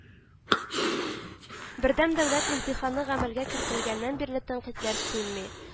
Бердәм дәүләт имтиханы гамәлгә кертелгәннән бирле тәнкыйтьләр сүнми